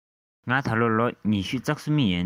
ང ད ལོ ལོ ཉི ཤུ རྩ གསུམ ཡིན